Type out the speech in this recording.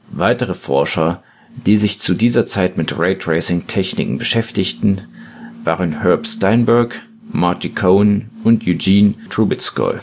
Weitere Forscher, die sich zu dieser Zeit mit Raytracing-Techniken beschäftigten, waren Herb Steinberg, Marty Cohen und Eugene Troubetskoy